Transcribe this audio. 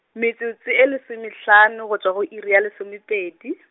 metsotso e lesomehlano go tšwa go iri ya lesomepedi.